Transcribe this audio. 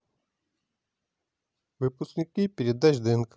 выпуски передач днк